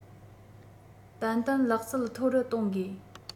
ཏན ཏན ལག རྩལ མཐོ རུ གཏོང དགོས